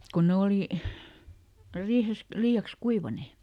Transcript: kun ne oli riihessä liiaksi kuivaneet